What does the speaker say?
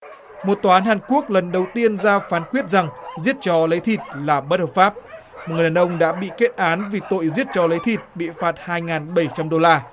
một tòa án hàn quốc lần đầu tiên ra phán quyết rằng giết chó lấy thịt là bất hợp pháp một người đàn ông đã bị kết án vì tội giết chó lấy thịt bị phạt hai ngàn bảy trăm đô la